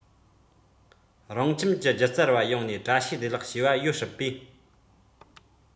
རང ཁྱིམ གྱི སྒྱུ རྩལ པ ཡོང ནས བཀྲ ཤིས བདེ ལེགས ཞུ བ ཡོད སྲིད པས